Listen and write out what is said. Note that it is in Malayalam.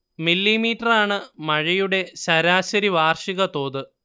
മില്ലീമീറ്ററാണ് മഴയുടെ ശരാശരി വാർഷിക തോത്